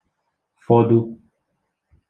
fọdụ